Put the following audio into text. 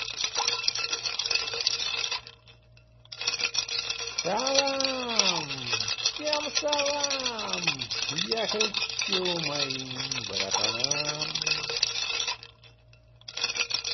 салам всем салам я кричу моим братаном